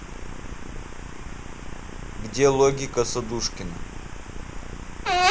где логика садушкина